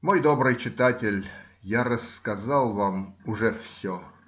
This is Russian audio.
Мой добрый читатель, я рассказал вам уже все.